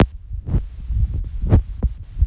лолита включи пожалуйста песню